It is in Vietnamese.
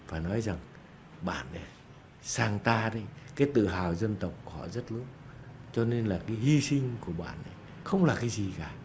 phải nói rằng bạn nè sang ta đi cái tự hào dân tộc họ rất lớn cho nên là cái hi sinh của bạn nè không là cái gì cả